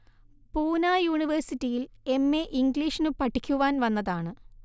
പൂനാ യൂണിവേഴ്സിറ്റിയിൽ M A ഇന്ഗ്ലീഷിനു പഠിക്കുവാൻ വന്നതാണ്